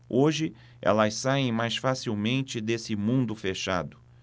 hoje elas saem mais facilmente desse mundo fechado